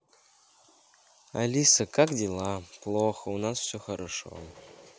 алиса как дела плохо у нас все хорошо